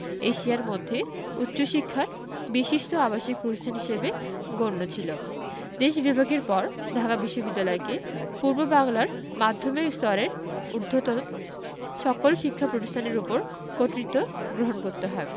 এশিয়ার মধ্যে উচ্চশিক্ষার বিশিষ্ট আবাসিক প্রতিষ্ঠান হিসেবে গণ্য ছিল দেশ বিভাগের পর ঢাকা বিশ্ববিদ্যালয়কে পূর্ববাংলার মাধ্যমিক স্তরের ঊধ্বর্তন সকল শিক্ষা প্রতিষ্ঠানের ওপর কর্তৃত্ব গ্রহণ করতে হয়